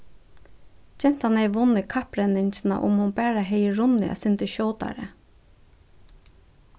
gentan hevði vunnið kapprenningina um hon bara hevði runnið eitt sindur skjótari